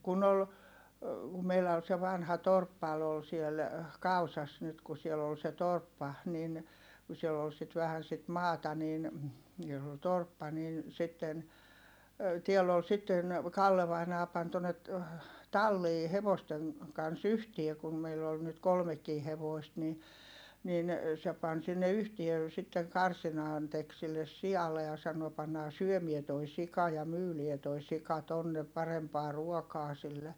kun oli meillä oli se vanha torppa oli siellä Kausassa nyt kun siellä oli se torppa niin kun siellä oli sitten vähän sitä maata niin jos oli torppa niin sitten täällä oli sitten Kalle vainaja pani tuonne talliin hevosten kanssa yhteen kun meillä oli nyt kolmekin hevosta niin niin se pani sinne yhteen sitten karsinaan teki sille sialle ja sanoi pannaan syömään tuo sika ja myydään tuo sika tuonne parempaa ruokaa sille